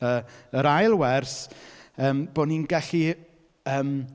Yy, yr ail wers, yym, bod ni'n gallu, yym...